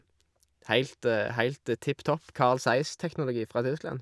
heilt Heilt tipp topp Carl Zeiss-teknologi fra Tyskland.